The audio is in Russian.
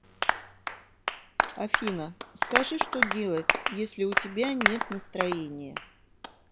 афина скажи что делать если у тебя нет настроения